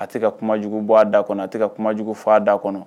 A tɛ ka kumajugu bɔ da kɔnɔ a tɛ ka kumajugu faa da kɔnɔ